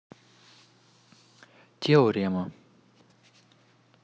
теорема